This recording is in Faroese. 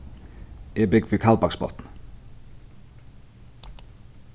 eg búgvi í kaldbaksbotni